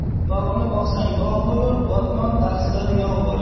bog'ni boqsang bog' bo'lur botmon dahsar yog' bo'lur